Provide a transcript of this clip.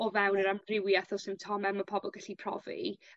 o fewn yr amrywieth o symtome ma' pobol gallu profi